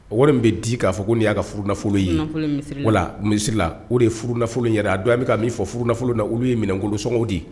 O wari nin bɛ di k'a fɔ ko n y'a ffolo ye wala misila o de ye furufolo yɛrɛ a dɔn an bɛ ka min fɔ f furufolo na olu ye minɛnkolonsɔngɔw di